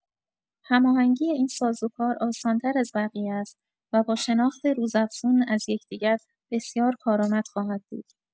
هماهنگی این سازوکار آسان‌تر از بقیه است و با شناخت روزافزون از یکدیگر بسیار کارآمد خواهد بود.